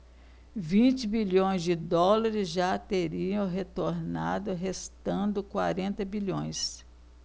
vinte bilhões de dólares já teriam retornado restando quarenta bilhões